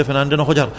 dafa xaw a cher